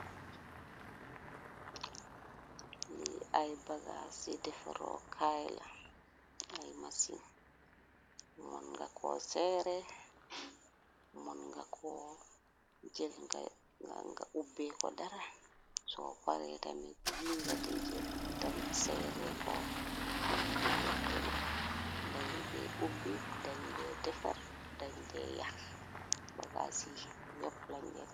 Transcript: Li ay bagass ci defaro kayla ay masin munn nga ko seere mun nga ko jël nga ubbe ko dara so pare tamit yi nga de jël tamit seere ko bemu deger keng denge ubbi dañ de defar dange yax bagassi yepp len de.